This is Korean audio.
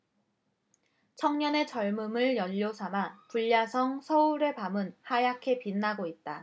청년의 젊음을 연료 삼아 불야성 서울의 밤은 하얗게 빛나고 있다